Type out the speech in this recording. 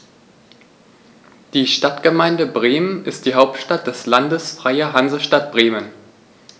Die Stadtgemeinde Bremen ist die Hauptstadt des Landes Freie Hansestadt Bremen.